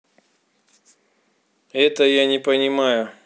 это я не понимаю